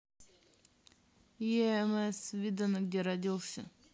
ems видано где родился